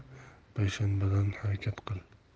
payshanbadan harakat qil